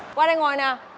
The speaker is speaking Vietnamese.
qua đây ngồi nè